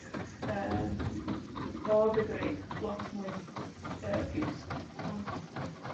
Yym, odd y grug lot mwy, yy, piws, ond,